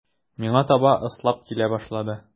Миңа таба ыслап килә башлады.